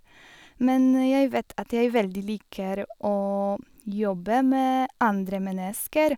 Men jeg vet at jeg veldig liker å jobbe med andre mennesker.